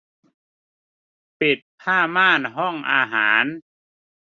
ปิดผ้าม่านห้องอาหาร